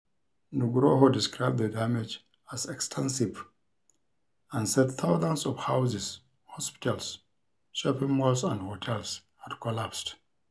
Nugroho described the damage as "extensive" and said thousands of houses, hospitals, shopping malls and hotels had collapsed.